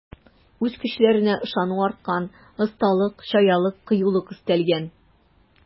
Үз көчләренә ышану арткан, осталык, чаялык, кыюлык өстәлгән.